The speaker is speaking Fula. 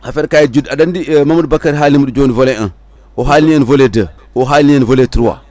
affaire kayit juddu aɗa andi Mamadou Bakary haali ɗum joni volet 1 o haalni en volet deux o haalni en volet trois